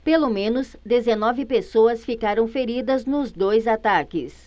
pelo menos dezenove pessoas ficaram feridas nos dois ataques